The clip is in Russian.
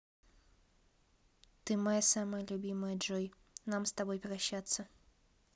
ты моя любимая джой нам с тобой прощаться